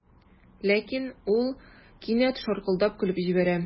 Ләкин ул кинәт шаркылдап көлеп җибәрә.